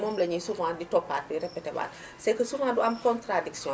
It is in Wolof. moom lañuy souvent di toppaat di répété waat c' est que souvent du am contradiction